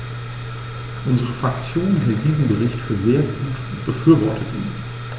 Unsere Fraktion hält diesen Bericht für sehr gut und befürwortet ihn.